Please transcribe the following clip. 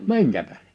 minkä tähden